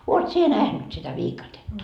olet sinä nähnyt sitä viikatetta